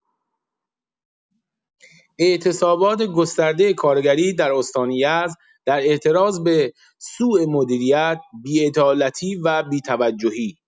اعتصابات گسترده کارگری در استان یزد در اعتراض به سو مدیریت، بی‌عدالتی و بی‌توجهی